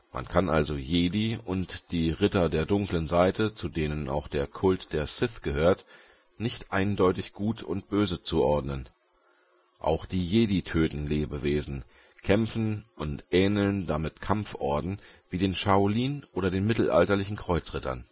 Man kann also Jedi und die Ritter der dunklen Seite, zu denen auch der Kult der Sith gehört, nicht eindeutig Gut und Böse zuordnen. Auch die Jedi töten Lebewesen, kämpfen und ähneln damit Kampforden, wie den Shaolin oder den mittelalterlichen Kreuzrittern